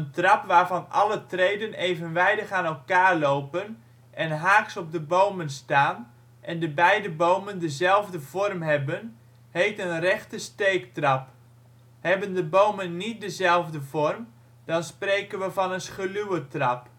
trap waarvan alle treden evenwijdig aan elkaar lopen en haaks op de bomen staan en de beide bomen dezelfde vorm hebben, heet een rechte steektrap. Hebben de bomen niet dezelfde vorm dan spreken we van een scheluwe trap